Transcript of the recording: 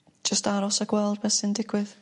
Jyst aros a gweld be' sy'n digwydd.